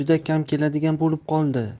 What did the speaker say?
juda kam keladigan bo'lib qoldi